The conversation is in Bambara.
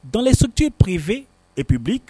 Dɔ suti pfin epi